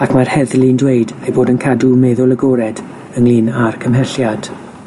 ac mae'r heddlu'n dweud eu bod yn cadw meddwl agored ynglŷn a'r cymhelliad.